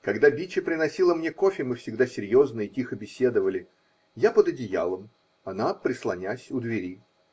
Когда Биче приносила мне кофе, мы всегда серьезно и тихо беседовали: я под одеялом, она -- прислонясь у двери.